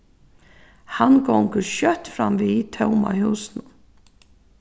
hann gongur skjótt fram við tóma húsinum